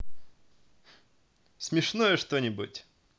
смешное что нибудь